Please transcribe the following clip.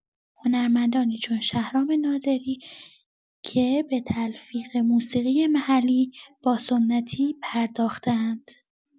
هنرمندانی چون شهرام ناظری که به تلفیق موسیقی محلی با سنتی پرداخته‌اند.